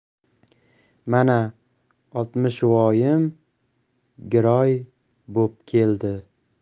mana oltmishvoyim giroy bo'p keldi